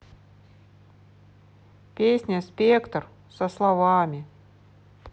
песня спектр со словами